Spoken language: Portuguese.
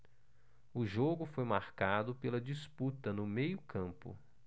o jogo foi marcado pela disputa no meio campo